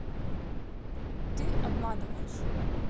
ты обманываешь